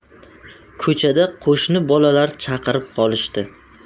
ko'chada qo'shni bolalar chaqirib qolishdi